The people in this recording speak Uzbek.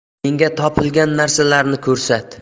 menga topilgan narsalarni ko'rsat